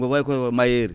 ko fayi koto mbayeeri